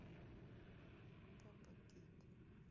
папа кит